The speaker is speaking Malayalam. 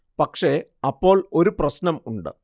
പക്ഷെ അപ്പോൾ ഒരു പ്രശ്നം ഉണ്ട്